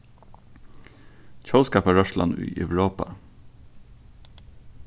tjóðskaparrørslan í europa